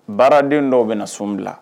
Baaradenw dɔw bɛ na sun bila